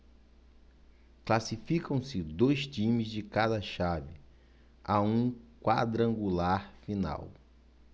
classificam-se dois times de cada chave a um quadrangular final